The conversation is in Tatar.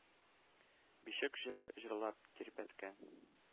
Бишек җыры җырлап тирбәткән.